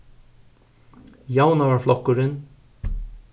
javnaðarflokkurin